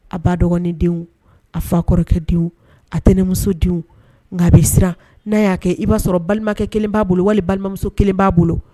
A ba dɔgɔnini den a fa kɔrɔkɛ denw a tɛnɛnmuso den nka bɛ siran n'a y'a kɛ i b'a sɔrɔ balimakɛ kelen b'a bolo wali balimamuso kelen b'a bolo